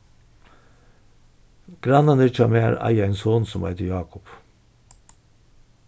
grannarnir hjá mær eiga ein son sum eitur jákup